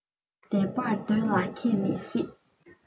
བདེ བར སྡོད ལ མཁས མི སྲིད